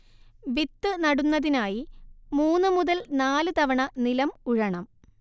വിത്ത് നടുന്നതിനായി മൂന്നു മുതൽ നാലു തവണ നിലം ഉഴണം